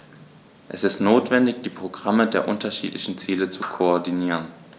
Es ist notwendig, die Programme der unterschiedlichen Ziele zu koordinieren.